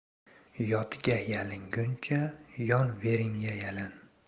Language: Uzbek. yotga yalinguncha yon veringga yalin